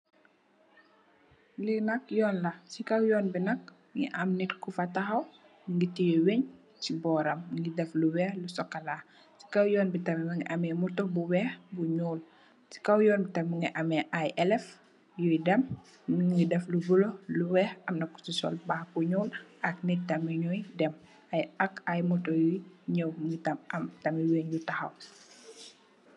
Li nag yoon la, ci kaw Yoon bi nak mungi am nit Ku fa tahaw, nungi tè wenn ci biiram mungi def lu weeh, lu sokola. Ci kaw Yoon bi tamit mungi am Moto bu weeh, bu ñuul. Ci kaw Yoon bi tamit mungi ameh ay eliff yi dem, nu def lu bulo, lu weeh amna ku ci sol bag bu ñuul ak nit tamit nu dem ak ay moto yi nãw tam am ay wenn yu tahaw.